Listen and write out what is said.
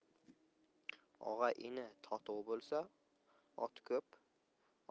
og'a ini totuv bo'lsa ot ko'p